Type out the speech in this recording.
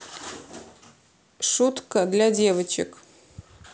штука для девочек